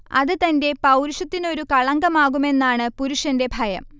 അത് തന്റെ പൗരുഷത്തിനൊരു കളങ്കമാകുമെന്നാണ് പുരുഷന്റെ ഭയം